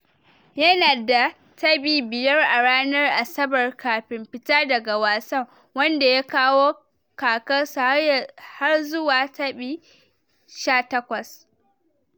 Yana da tabi biyar a ranar Asabar kafin fita daga wasan, wanda ya kawo kakarsa har zuwa tabi 18.